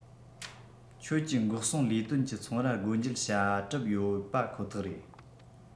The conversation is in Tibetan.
ཁྱོད ཀྱི འགོག སྲུང ལས དོན གྱི ཚོང ར སྒོ འབྱེད བྱ གྲབས ཡོད པ ཁོ ཐག རེད